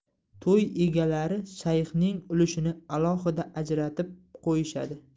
to'y egalari shayxning ulushini alohida ajratib qo'yishadi